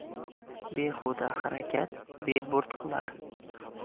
behuda harakat beburd qilar